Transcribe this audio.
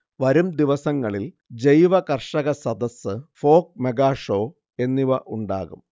വരും ദിവസങ്ങളിൽ ജൈവകർഷകസദസ്സ്, ഫോക് മെഗാഷോ എന്നിവ ഉണ്ടാകും